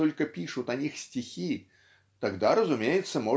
а только пишут о них стихи тогда разумеется